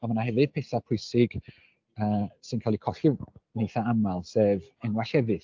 A ma' 'na hefyd pethau pwysig sy'n cael eu colli yn eithaf aml sef enwau llefydd.